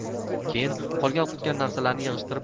keyin qolgan qutgan narsalarni yig'ishtirib